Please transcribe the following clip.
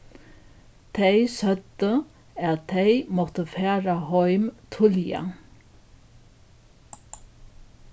tey søgdu at tey máttu fara heim tíðliga